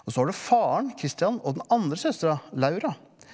og så har du faren Christian og den andre søstera Laura.